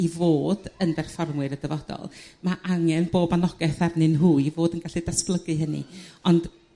i fod yn berfformwyr y dyfodol ma' angen bob anogaeth arnyn nhw i fod yn gallu datblygu hynny ond